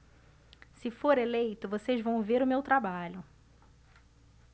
se for eleito vocês vão ver o meu trabalho